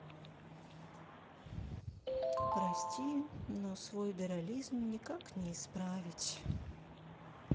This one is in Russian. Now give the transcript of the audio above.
прости но свой дурализм никак не исправить